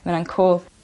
ma' wnna'n cŵl.